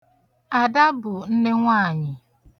Ada bụ nnenwaànyị̀.